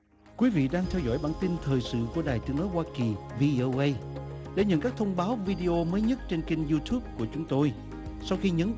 quý vị đang theo dõi bản tin thời sự của đài tiếng nói hoa kỳ vi ô guây để nhận các thông báo vi đê ô mới nhất trên kênh iu túp của chúng tôi sau khi nhấn